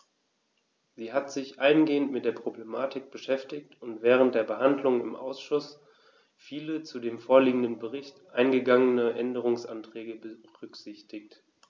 Sie hat sich eingehend mit der Problematik beschäftigt und während der Behandlung im Ausschuss viele zu dem vorliegenden Bericht eingegangene Änderungsanträge berücksichtigt.